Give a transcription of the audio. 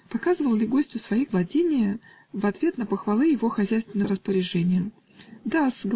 Показывал ли гостю свои владения, в ответ на похвалы его хозяйственным распоряжениям: "Да-с!